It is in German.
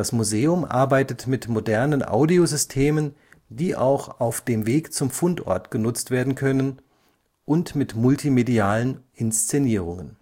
Museum arbeitet mit modernen Audiosystemen, die auch auf dem Weg zum Fundort genutzt werden können, und mit multimedialen Inszenierungen